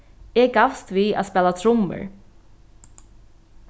eg gavst við at spæla trummur